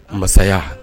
Masaya